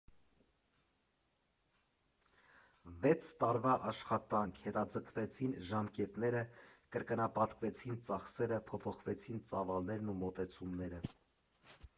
Վեց տարվա աշխատանք Հետաձգվեցին ժամկետները, կրկնապատկվեցին ծախսերը, փոփոխվեցին ծավալներն ու մոտեցումները։